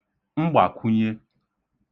mgbàkwūnyē